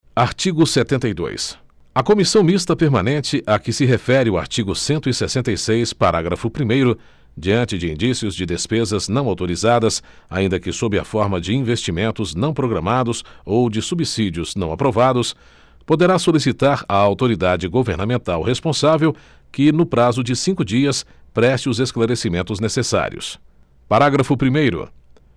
artigo setenta e dois a comissão mista permanente a que se refere o artigo cento e sessenta e seis parágrafo primeiro diante de indícios de despesas não autorizadas ainda que sob a forma de investimentos não programados ou de subsídios não aprovados poderá solicitar à autoridade governamental responsável que no prazo de cinco dias preste os esclarecimentos necessários parágrafo primeiro